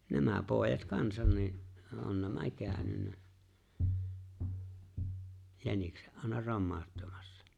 nämä pojat kanssa niin on nämä käynyt jäniksen aina romauttamassa